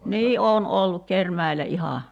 niin olen ollut Kerimäellä ihan